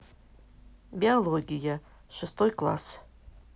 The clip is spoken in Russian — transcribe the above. биология шестой класс